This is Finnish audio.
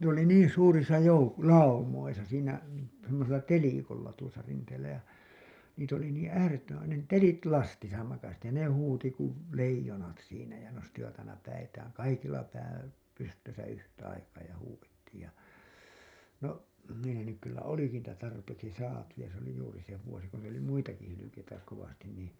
ne oli niin suurissa - laumoissa siinä semmoisella telikolla tuossa rinteellä ja niitä oli niin äärettömän ne telit lastissa makasi ja ne huusi kuin leijonat siinä ja nostivat aina päitään kaikilla pää pystyssä yhtä aikaa ja huudettiin ja no mehän nyt kyllä olikin niitä tarpeeksi saatu ja se oli juuri se vuosi kun meillä oli muitakin hylkeitä kovasti niin